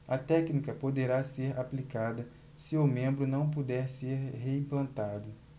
a técnica poderá ser aplicada se o membro não puder ser reimplantado